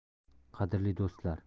qadrli do'stlar